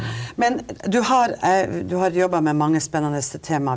men du har du har jobba med mange spennende tema.